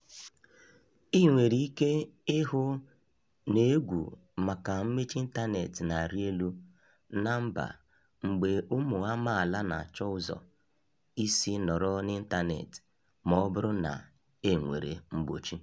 I nwere ike ịhụ na égwù maka mmechi ịntaneetị na-arị elu na mba mgbe ụmụ amaala na-achọ ụzọ isi nọrọ n'ịntaneetị ma ọ bụrụ na e nwere mgbochi.